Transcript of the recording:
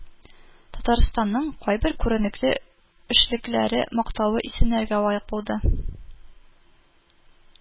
Татарстанның кайбер күренекле эшлеклеләре мактаулы исемнәргә лаек булды